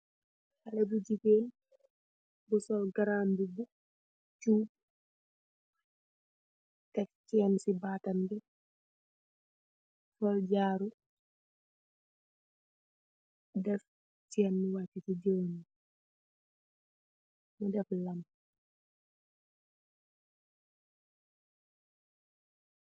Haleh bu jigeen bu sol granmubah , tek jenn si batambi sol jaruh deff jenn wajah si jehyambih , deff lamm